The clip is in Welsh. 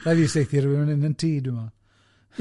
Raid fi'n saethu rhywun yn yn tŷ, dwi'n me'l.